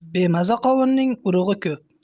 bemaza qovunning urug'i ko'p